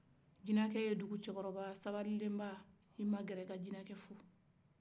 jinɛkɛ ye a magɛrɛ ka dugucɛkɔrɔba sabalilenba fɔ